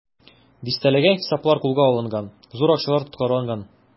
Дистәләгән хисаплар кулга алынган, зур акчалар тоткарланган.